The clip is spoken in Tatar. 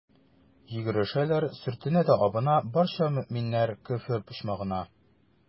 Йөгерешәләр, сөртенә дә абына, барча мөэминнәр «Көфер почмагы»на.